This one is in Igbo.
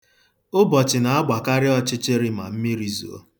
Ụbọchị na-agbakarị ọchịchịrị ma mmiri zoo.